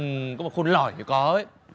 ừm có mà khôn lỏi thì có đấy